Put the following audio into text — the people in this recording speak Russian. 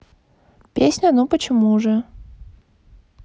песня ну почему же